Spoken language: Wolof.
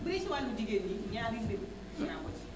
bu dee si wàllu jigén ñi ñaari mbir gis naa ko ci